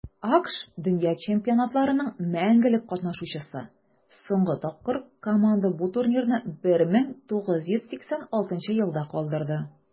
АКШ - дөнья чемпионатларының мәңгелек катнашучысы; соңгы тапкыр команда бу турнирны 1986 елда калдырды.